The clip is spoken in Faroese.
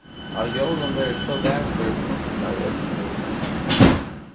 á jólum verður so vakur pyntað í øllum húsum